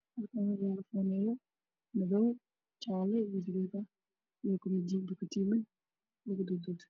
Halkaan waxaa yala foneeyo jela iyo madoow iyo madoow iyo bokadiin bokadiino lagu dudubto timaba